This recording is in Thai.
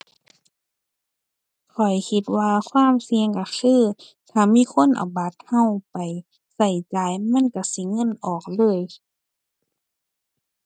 ข้อยคิดว่าความเสี่ยงก็คือ ถ้ามีคนเอาบัตรก็ไปก็จ่ายมันก็สิเงินออกเลย